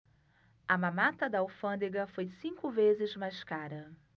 a mamata da alfândega foi cinco vezes mais cara